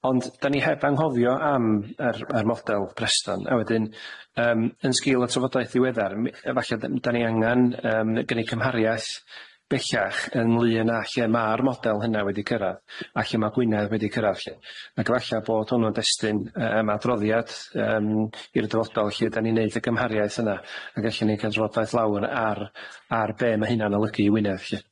Ond dan ni heb anghofio am yr yr model preston a wedyn yym yn sgil y trafodaeth ddiweddar mi- efalle d- m- dan ni angan yym gneu' cymhariaeth bellach yn lŷ yna lle ma'r model hynna wedi cyrradd a lle ma' Gwynedd wedi cyrradd lly, ag efalla bod hwnnw'n destun yym adroddiad yym i'r dyfodol lle dan ni'n neud y gymhariaeth yna ag elle ni'n ca'l trafodaeth lawr ar ar be' ma' hynna'n olygu i Wynedd lly.